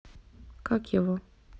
как его